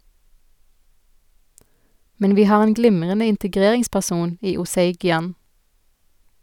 Men vi har en glimrende integreringsperson i Osei Gyan.